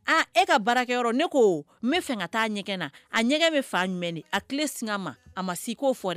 Aa e ka baarakɛ yɔrɔ ne ko n bɛ fɛ ka taa a ɲɛgɛn na a ɲɛgɛn bɛ fa jumɛn a tile sin ma a ma siko fɔ dɛ